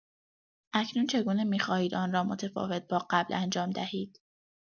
اکنون چگونه می‌خواهید آن را متفاوت با قبل انجام دهید؟